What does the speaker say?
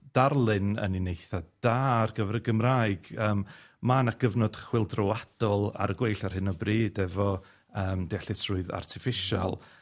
darlun yn un eitha da ar gyfer y Gymraeg yym ma' 'na gyfnod chwyldroadol ar y gweill ar hyn o bryd efo yym deallusrwydd artiffisial,